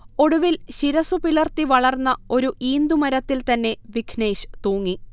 ഒടുവിൽ ശിരസുപിളർത്തി വളർന്ന ഒരു ഈന്തു മരത്തിൽ തന്നെ വിഘ്നേശ് തൂങ്ങി